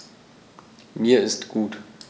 Mir ist gut.